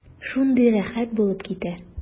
Шундый рәхәт булып китә.